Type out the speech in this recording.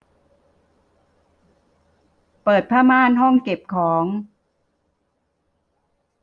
เปิดผ้าม่านห้องเก็บของ